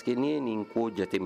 ke n'i ye nin ko jateminɛ